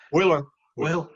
Hwyl ŵan. Hwyl.